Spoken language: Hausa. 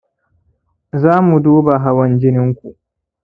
za mu duba hawan jinin ku